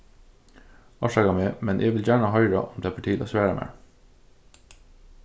orsaka meg men eg vil gjarna hoyra um tað ber til at svara mær